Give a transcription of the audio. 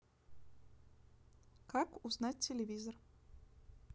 как узнать телевизор